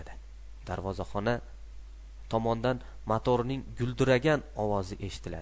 darvozaxona tomondan motorning guldiragan ovozi eshitiladi